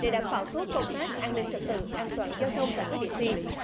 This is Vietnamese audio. để đảm bảo tốt công tác an ninh trật tự an toàn giao thông tại các điểm thi